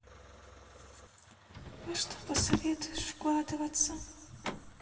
во что посоветуешь вкладываться